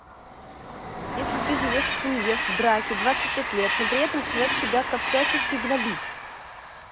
если ты живешь в семье в браке двадцать пять лет но при этом человек тебя ко всячески гнобит